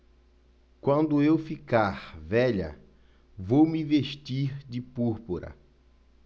quando eu ficar velha vou me vestir de púrpura